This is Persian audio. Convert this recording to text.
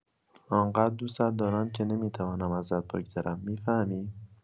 آن‌قدر دوستت دارم که نمی‌توانم ازت بگذرم، می‌فهمی؟